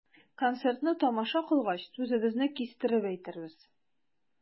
Концертны тамаша кылгач, сүзебезне кистереп әйтербез.